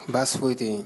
Baasi tɛ yen